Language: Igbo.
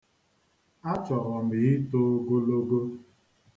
A chọrọ m ito ogologo.